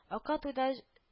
Ака туйда җ